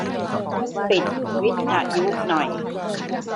ปิดวิทยุหน่อย